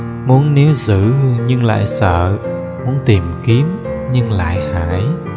muốn níu giữ nhưng lại sợ muốn tìm kiếm nhưng lại hải